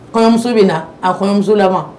Kɔɲɔmuso bɛ na a kɔɲɔmuso lamɔ